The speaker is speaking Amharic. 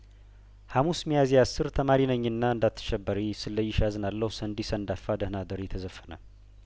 ሀሙስ ሚያዝያአስር ተማሪነኝና እንዳት ሸበሪ ስለይሽ አዝናለሁ ሰንዲ ሰንዳፋ ደህና እደሪ ተዘፈነ